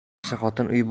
yaxshi xotin uy